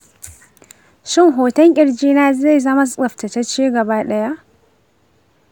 shin hoton kirji na zai zama tsaftatacce gaba ɗaya?